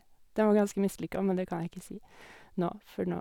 Den var ganske mislykka, men det kan jeg ikke si nå, for nå...